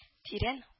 Тирән